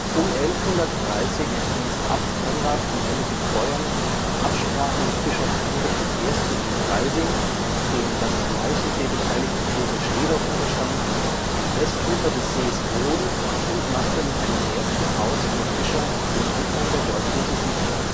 Um 1130 ließ Abt Konrad von Benediktbeuern nach Absprache mit Bischof Heinrich I. von Freising, dem das am Walchensee beteiligte Kloster Schlehdorf unterstand, am Westufer des Sees roden und machte mit einem ersten Haus für Fischer den Anfang der dortigen Besiedelung